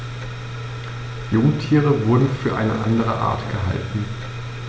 Jungtiere wurden für eine andere Art gehalten.